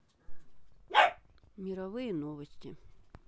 мировые новости